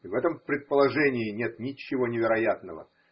В этом предположении нет ничего невероятного.